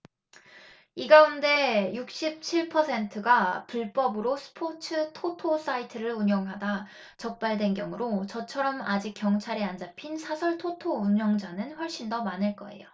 이 가운데 육십 칠 퍼센트가 불법으로 스포츠 토토 사이트를 운영하다 적발된 경우로 저처럼 아직 경찰에 안 잡힌 사설 토토 운영자는 훨씬 더 많을 거예요